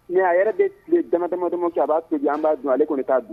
Mais a yɛrɛ bɛ tile dama dama kɛ a b'a tobi an b'a dun ale kɔni t'a dun.